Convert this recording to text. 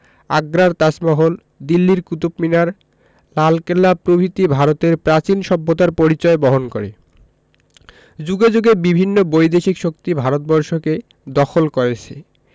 আগ্রার তাজমহল দিল্লির কুতুব মিনার লালকেল্লা প্রভৃতি ভারতের প্রাচীন সভ্যতার পরিচয় বহন করেযুগে যুগে বিভিন্ন বৈদেশিক শক্তি ভারতবর্ষকে দখল করেছে